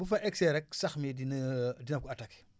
bu fa egg see rek sax mi dina dina ko attaqué